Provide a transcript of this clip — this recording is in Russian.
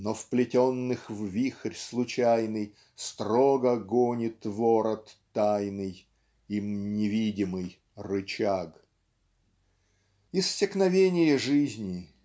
Но вплетенных в вихрь случайный Строго гонит ворот тайный Им невидимый рычаг. Иссякновение жизни